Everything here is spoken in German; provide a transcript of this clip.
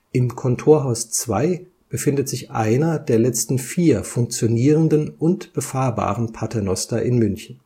Im Kontorhaus II befindet sich einer der letzten vier funktionierenden und befahrbaren Paternoster in München